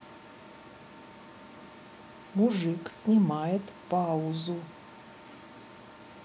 мужик снимает паузу